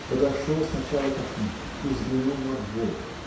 Подошел сначала к окну и взглянул на двор